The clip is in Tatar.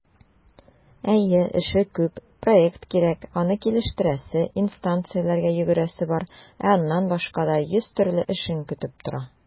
Әйе, эше күп - проект кирәк, аны килештерәсе, инстанцияләргә йөгерәсе бар, ә аннан башка да йөз төрле эшең көтеп тора.